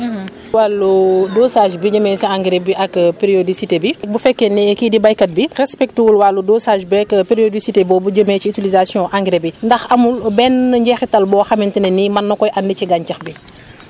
wàllu dosage bi ñemee sa engrais bi ak périodicité bi bu fekkee ne kii di béykat bi respecté wul wàllu dosage beeg périodicité boobu jëmee ci utilisation engrais bi ndax amul benn njeexital boo xamante ne ni mën na koy andi ci gàncax bi